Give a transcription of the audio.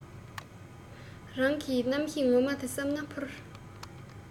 རང གི རྣམ ཤེས ངོ མ དེ བསམ ན འཕུར